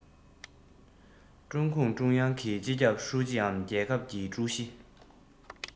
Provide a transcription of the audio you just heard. ཀྲུང གུང ཀྲུང དབྱང གི སྤྱི ཁྱབ ཧྲུའུ ཅིའམ རྒྱལ ཁབ ཀྱི ཀྲུའུ ཞི